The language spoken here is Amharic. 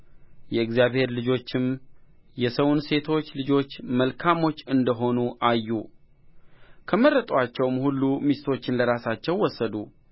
የእግዚአብሔር ልጆችም የሰውን ሴቶች ልጆች መልካሞች እንደ ሆኑ አዩ ከመረጡአቸውም ሁሉ ሚስቶችን ለራሳቸው ወሰዱ